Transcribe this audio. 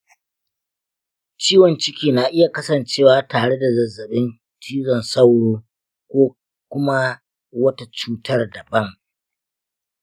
ciwon ciki na iya kasancewa tare da zazzabin cizon sauro ko kuma wata cutar daban.